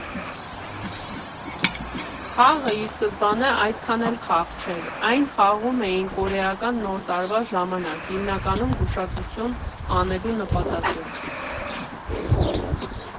Խաղը ի սկզբանե այդքան էլ խաղ չէր, այն «խաղում» էին կորեական Նոր տարվա ժամանակ՝ հիմնականում գուշակություն անելու նպատակով։